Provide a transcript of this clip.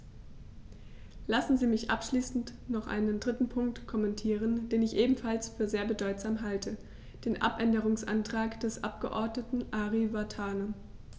Lassen Sie mich abschließend noch einen dritten Punkt kommentieren, den ich ebenfalls für sehr bedeutsam halte: den Abänderungsantrag des Abgeordneten Ari Vatanen.